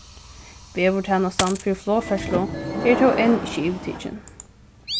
veðurtænastan fyri flogferðslu er tó enn ikki yvirtikin